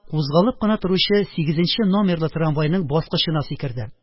Кузгалып кына торучы 8 нче номерлы трамвайның баскычына сикерде